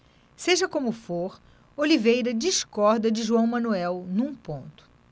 seja como for oliveira discorda de joão manuel num ponto